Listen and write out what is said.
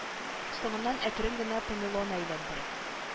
Соңыннан әкрен генә памелоны әйләндерә